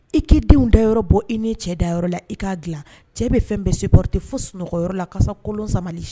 I k'i denw da yɔrɔ bɔ i ni cɛ dayɔrɔ la i k kaa dilan cɛ bɛ fɛn bɛ sepote fo sunɔgɔ la kasa kolonsa